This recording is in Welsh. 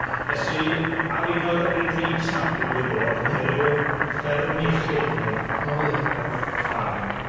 Es i ar un o'r retreats 'ma, digwydd bod, i ryw yym fferm iechyd neu... O, ie. ... health farm.